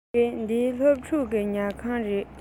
རེད འདི སློབ ཕྲུག གི ཉལ ཁང རེད